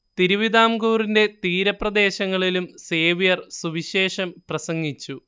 തിരുവിതാംകൂറിന്റെ തീരപ്രദേശങ്ങളിലും സേവ്യർ സുവിശേഷം പ്രസംഗിച്ചു